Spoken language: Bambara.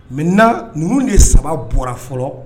Mɛ na numu de ye saba bɔra fɔlɔ